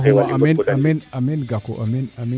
aminn amiin gakoub